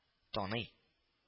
Таный